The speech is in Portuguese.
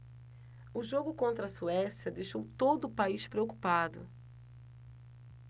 o jogo contra a suécia deixou todo o país preocupado